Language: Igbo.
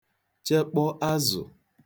chekpọ azụ